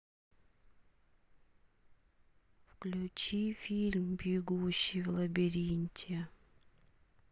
включи фильм бегущий в лабиринте